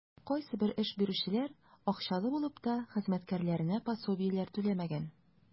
Кайсыбер эш бирүчеләр, акчалары булып та, хезмәткәрләренә пособиеләр түләмәгән.